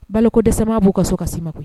Ba ko dɛsɛsama b'u ka k ka ma koyi